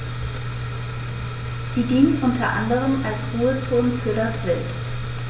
Sie dienen unter anderem als Ruhezonen für das Wild.